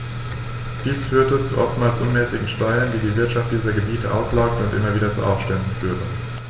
Dies führte zu oftmals unmäßigen Steuern, die die Wirtschaft dieser Gebiete auslaugte und immer wieder zu Aufständen führte.